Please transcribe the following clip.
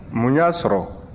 mun y'a sɔrɔ